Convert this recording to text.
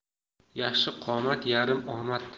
yaxshi qomat yarim omad